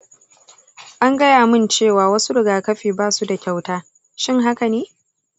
an gaya min cewa wasu rigakafi ba su da kyauta. shin haka ne?